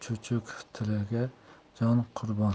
chuchuk tilga jon qurbon